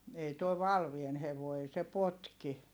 ei tuo Valveen hevonen ei se potki